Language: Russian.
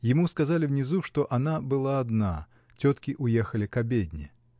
Ему сказали внизу, что она была одна: тетки уехали к обедне.